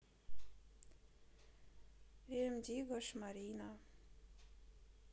рем дигга шмарина